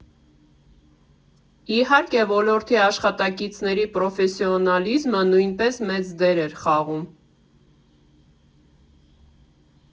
Իհարկե, ոլորտի աշխատակիցների պրոֆեսիոնալիզմը նույնպես մեծ դեր էր խաղում։